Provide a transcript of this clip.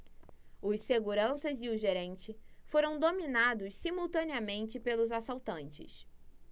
os seguranças e o gerente foram dominados simultaneamente pelos assaltantes